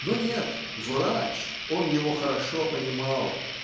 Но нет - врач, он его хорошо понимал.